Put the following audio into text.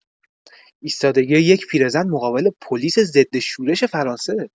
ایستادگی یک پیرزن مقابل پلیس ضدشورش فرانسه